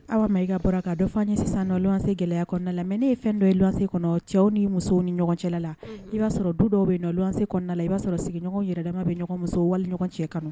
Awa Maïga bɔra ka dɔ f'an ye sisan nɔn luwanse gɛlɛyaw kɔnɔna la mais ne ye fɛn dɔ ye luwanse kɔnɔn na, cɛw ni musow ni ɲɔgɔn cɛ la la i b'a sɔrɔ du dɔw bɛ yen nɔn, luwanse kɔnɔna la, i b'a sɔrɔɔ sinɲɔgnw yɛrɛ dama bɛ ɲɔgɔn muso wali ɲɔgɔn cɛ kanu.